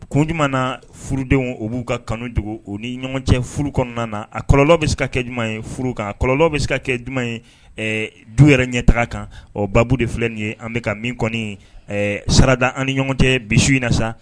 Kun jumɛn na furudenw o b'u ka kanu dogo u ni ɲɔgɔn cɛ furu kɔnɔna na, a kɔlɔlɔ bɛ se ka kɛ jumɛn ye furu kan, a kɔlɔlɔ bɛ se ka kɛ jumɛn ye du yɛrɛ ɲɛ taga kan, o baabu de filɛ nin ye an bɛ ka min kɔni sarada ani ni ɲɔgɔn cɛ bi su in na sa.